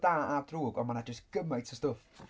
Da a drwg, ond ma' 'na jyst gymaint o stwff.